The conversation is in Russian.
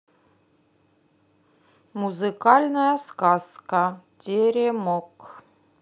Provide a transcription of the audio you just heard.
музыкальная сказка теремок